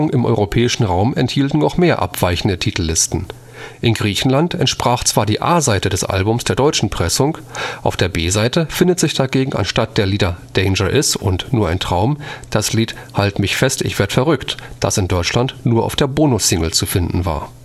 im europäischen Raum enthielten noch mehr abweichende Titellisten. In Griechenland entsprach zwar die A-Seite des Albums der deutschen Pressung, auf der B-Seite findet sich dagegen anstatt der Lieder Danger Is und Nur ein Traum das Lied Halt mich fest ich werd verrückt, das in Deutschland nur auf der Bonus-Single zu finden war